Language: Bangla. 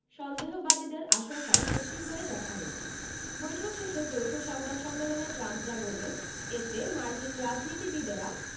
সন্দেহবাদীদের আশঙ্কাই সত্যি হয়ে দেখা দিল বৈঠক শেষে যৌথ সংবাদ সম্মেলনে ট্রাম্প যা বললেন এতে মার্কিন রাজনীতিবিদেরা